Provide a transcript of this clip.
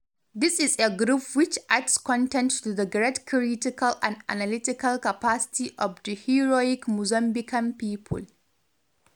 This is a group which adds content to the great critical and analytical capacity of the heroic Mozambican people.